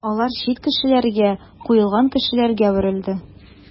Алар чит кешеләргә, куылган кешеләргә әверелде.